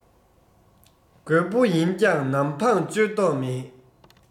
རྒོད པོ ཡིན ཀྱང ནམ འཕང གཅོད མདོག མེད